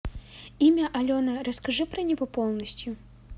имя алена расскажи про него полностью